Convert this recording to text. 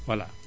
voilà